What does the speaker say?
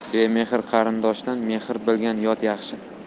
bemehr qarindoshdan mehr bilgan yot yaxshi